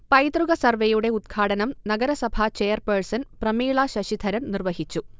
പൈതൃക സർവ്വേയുടെ ഉദ്ഘാടനം നഗരസഭാ ചെയർപേഴ്സൺ പ്രമീള ശശിധരൻ നിർവഹിച്ചു